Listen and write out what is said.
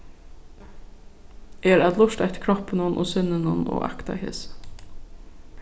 er at lurta eftir kroppinum og sinninum og akta hesi